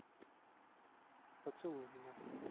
поцелуй меня